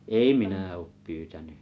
ei minä ole pyytänyt